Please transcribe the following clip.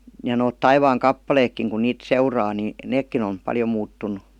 ja nuo taivaankappaleetkin kun niitä seuraa niin nekin on paljon muuttunut